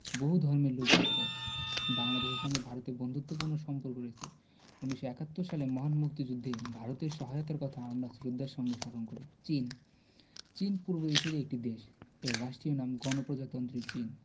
বহু ধর্মের লোক বাস করে বাংলাদেশের সঙ্গে ভারতের বন্ধুত্তপূর্ণ সম্পর্ক রয়ছে ১৯৭১ সালের মহান মুক্তিযুদ্ধে ভারতের সহায়তার কথা আমরা শ্রদ্ধার সাথে স্মরণ করি চীন চীন পূর্ব এশিয়ার একটি দেশ এর রাষ্ট্রীয় নাম গণপ্রজাতন্ত্রী চীন